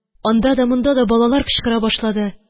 Анда да, монда да балалар кычкыра башлады